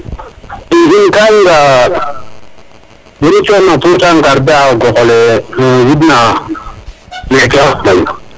i ka in ka i nga a wene nu cona te ka garder a o goxole widna meke a Thiale